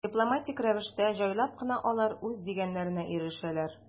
Дипломатик рәвештә, җайлап кына алар үз дигәннәренә ирешәләр.